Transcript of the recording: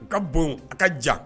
A ka bon, a ka jan